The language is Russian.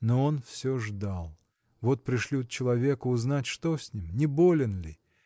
Но он все ждал: вот пришлют человека узнать, что с ним? не болен ли?